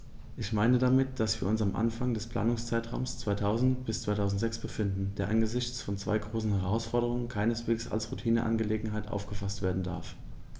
Ich meine damit, dass wir uns am Anfang des Planungszeitraums 2000-2006 befinden, der angesichts von zwei großen Herausforderungen keineswegs als Routineangelegenheit aufgefaßt werden darf.